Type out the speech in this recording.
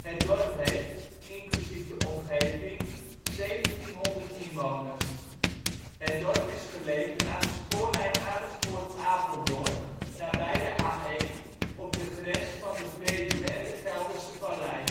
Het dorp heeft, inclusief de omgeving, 1700 inwoners (2010). Het dorp is gelegen aan de spoorlijn Amersfoort-Apeldoorn, nabij de A1, op de grens van de Veluwe en de Gelderse Vallei